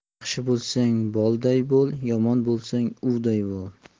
yaxshi bo'lsang bolday bo'l yomon bo'lsang uvday bo'l